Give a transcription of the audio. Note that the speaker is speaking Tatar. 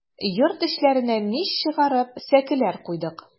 Йорт эчләренә мич чыгарып, сәкеләр куйдык.